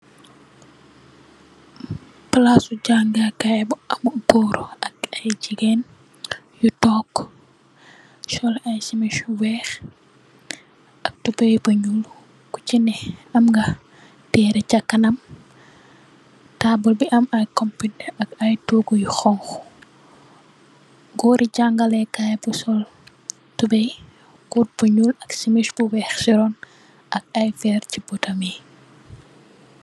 Plasu jangeekai bu am goor ak ayy jigeen yu tog sol ay simis yu weex ak tubey bu nyool ku ci neh amnga tereh sa kanam taabul bi am ay compita ak togu yu xonxu gori jangaleh kai bu sol tubey kot bu nyool ak simis bu weex ci ron ak ay veer ci Botami